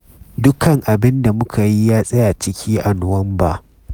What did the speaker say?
“Dukkan abin da muka yi ya tsaya ciki a Nuwamba.